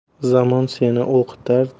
zamon seni o'qitar